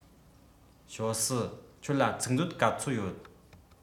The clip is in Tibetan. ཞའོ སུའུ ཁྱོད ལ ཚིག མཛོད ག ཚོད ཡོད